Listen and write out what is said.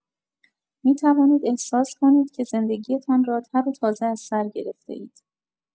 می‌توانید احساس کنید که زندگی‌تان راتر و تازه از سر گرفته‌اید.